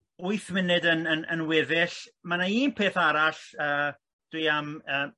wyth munud yn yn yn weddill ma' 'na un peth arall yy dwi am yy ei wneud